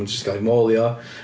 Maen nhw jyst yn cael eu môlio.